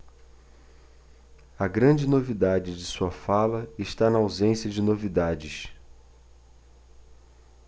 a grande novidade de sua fala está na ausência de novidades